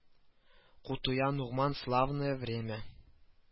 Кутуя нугман славное время